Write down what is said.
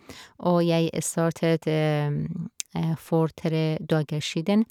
Og jeg startet for tre dager siden.